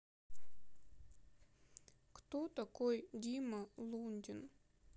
кто такой дима лундин